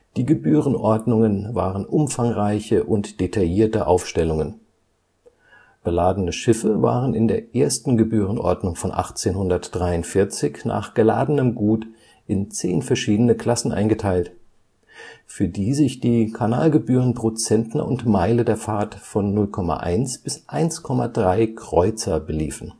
Die Gebührenordnungen waren umfangreiche und detaillierte Aufstellungen. Beladene Schiffe waren in der ersten Gebührenordnung von 1843 nach geladenem Gut in zehn verschiedene Klassen eingeteilt, für die sich die Kanalgebühren pro Zentner und Meile der Fahrt von 0,1 bis 1,3 Kreuzer beliefen